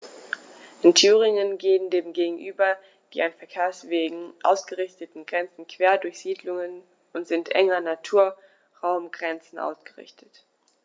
In Thüringen gehen dem gegenüber die an Verkehrswegen ausgerichteten Grenzen quer durch Siedlungen und sind eng an Naturraumgrenzen ausgerichtet.